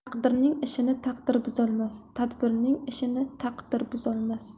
taqdirning ishini tadbir buzolmas tadbirning ishini taqdir buzolmas